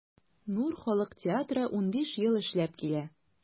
“нур” халык театры 15 ел эшләп килә.